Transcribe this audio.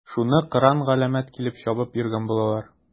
Шуны кыран-галәмәт килеп чабып йөргән булалар.